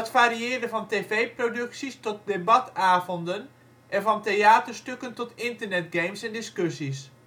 varieerde van TV-producties tot debatavonden en van theaterstukken tot internet-games en - discussies